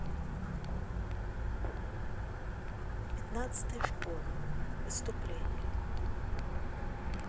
пятнадцатая школа выступление